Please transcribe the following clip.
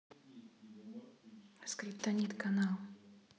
скриптонит канал